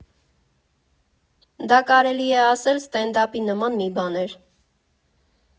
Դա կարելի է ասել ստենդափի նման մի բան էր։